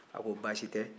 a ko baasi tɛ